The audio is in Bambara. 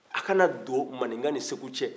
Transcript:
a ka na don maninka ni segu cɛ